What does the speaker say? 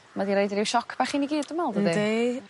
Ma' 'di roid ryw sioc bach i ni gyd dwi me'wl dydyi> Yndi.